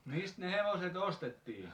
mistä ne hevoset ostettiin